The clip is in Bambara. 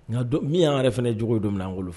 Nka min y' yɛrɛ fana cogo bɛ don min naan bolo